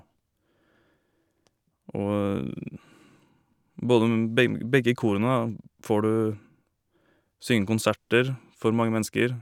Og både m begg begge korene, da, får du synge konserter for mange mennesker.